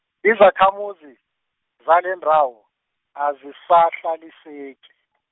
izakhamuzi, zalendawo, azisahlaliseki.